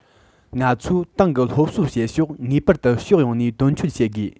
ང ཚོས ཏང གི སློབ གསོའི བྱེད ཕྱོགས ངེས པར དུ ཕྱོགས ཡོངས ནས དོན འཁྱོལ བྱེད དགོས